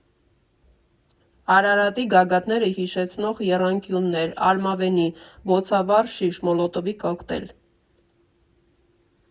Արարատի գագաթները հիշեցնող եռանկյուններ, արմավենի, բոցավառ շիշ՝ «մոլոտովի կոկտեյլ»։